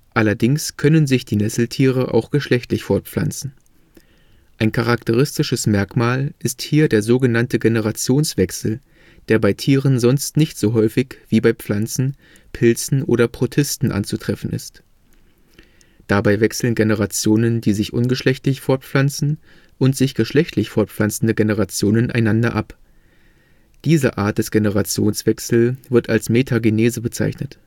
Allerdings können sich die Nesseltiere auch geschlechtlich fortpflanzen. Ein charakteristisches Merkmal ist hier der so genannte Generationswechsel, der bei Tieren sonst nicht so häufig wie bei Pflanzen, Pilzen oder Protisten anzutreffen ist. Dabei wechseln Generationen, die sich ungeschlechtlich fortpflanzen, und sich geschlechtlich fortpflanzende Generationen einander ab. Diese Art des Generationswechsels wird als Metagenese bezeichnet